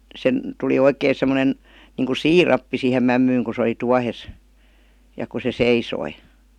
sen tuli oikein semmoinen niin kuin siirappi siihen mämmiin kun se oli tuohessa ja kun se seisoi